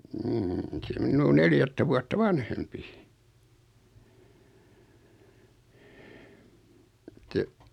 mm on se minua neljättä vuotta vanhempi että